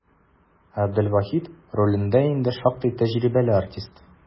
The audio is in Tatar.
Габделвахит ролендә инде шактый тәҗрибәле артист.